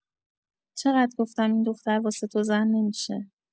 چقد گفتم این دختر واسه تو زن نمی‌شه.